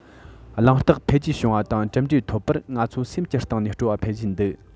གླེང སྟེགས འཕེལ རྒྱས བྱུང བ དང གྲུབ འབྲས ཐོབ པར ང ཚོ སེམས ཀྱི གཏིང ནས སྤྲོ བ འཕེལ བཞིན འདུག